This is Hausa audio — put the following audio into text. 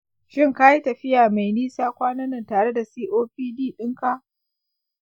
shin ka yi tafiya mai nisa kwanan nan tare da copd ɗinka?